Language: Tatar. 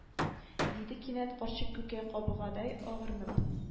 Диде кинәт карчык күкәй кабыгыдай агарынып